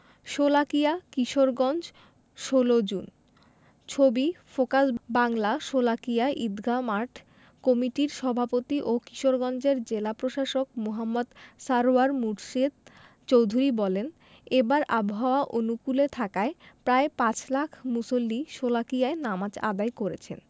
Sholakia Kishoreganj ১৬ June ছবি focus বাংলাশোলাকিয়া ঈদগাহ মাঠ কমিটির সভাপতি ও কিশোরগঞ্জের জেলা প্রশাসক মো. সারওয়ার মুর্শেদ চৌধুরী বলেন এবার আবহাওয়া অনুকূলে থাকায় প্রায় পাঁচ লাখ মুসল্লি শোলাকিয়ায় নামাজ আদায় করেছেন